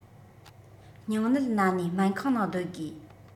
སྙིང ནད ན ནས སྨན ཁང ནང སྡོད དགོས